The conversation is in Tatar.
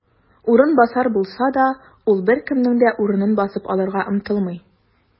"урынбасар" булса да, ул беркемнең дә урынын басып алырга омтылмый.